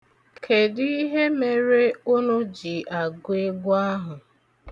Kedu ihe mere ụnụ ji agụ egwu ahụ?